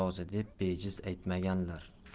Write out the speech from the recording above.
rozi deb bejiz aytmaganlar